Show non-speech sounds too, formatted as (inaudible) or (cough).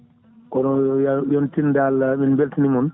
kono (hesitation) yon tin dal min beltanima on